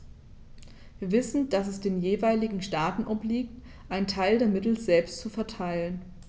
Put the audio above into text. Wir wissen, dass es den jeweiligen Staaten obliegt, einen Teil der Mittel selbst zu verteilen.